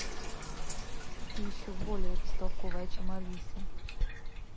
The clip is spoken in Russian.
ты еще более бестолковая чем алиса